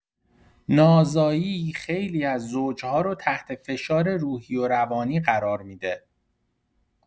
نازایی خیلی از زوج‌ها رو تحت فشار روحی و روانی قرار می‌ده.